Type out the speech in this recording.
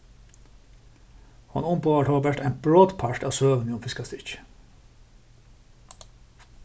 hon umboðar tó bert ein brotpart av søguni um fiskastykkið